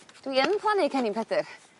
dwi yn plannu cennin Pedyr.